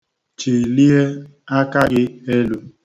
Chilie aka gị elu.